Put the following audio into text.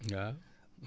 waaw